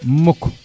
mukk